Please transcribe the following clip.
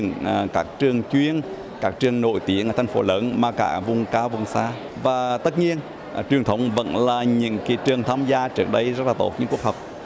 là các trường chuyên các trường nổi tiếng ở thành phố lớn mà cả vùng cao vùng xa và tất nhiên truyền thống vẫn là những kỷ truyền tham gia trước đây rất là tốt nhưng cuộc họp